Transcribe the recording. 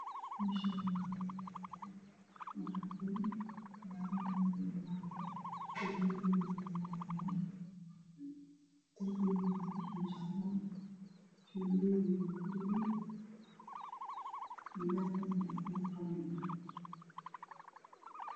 Meeshaani waa meel laami oo xaafada gaari ayaa marayo darbiga waa darbi jaale albaabkana waa alabaab qalin